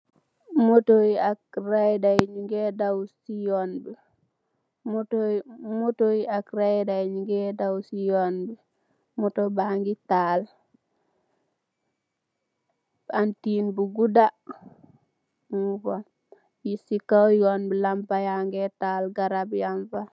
Moto yi ak raidayi nju ngeh daw ci yon bi, moto ba ngi tahal, antin bu gudda mung fa.